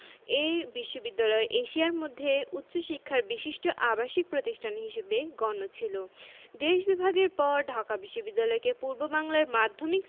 এ বিশ্ববিদ্যালয় এশিয়ার মধ্যে উচ্চশিক্ষার বিশিষ্ট আবাসিক প্রতিষ্ঠান হিসেবে গণ্য ছিল দেশ বিভাগের পর ঢাকা বিশ্ববিদ্যালয়কে পূর্ববাংলার মাধ্যমিক